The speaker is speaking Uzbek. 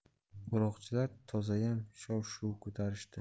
o'roqchilar tozayam shov shuv ko'tarishdi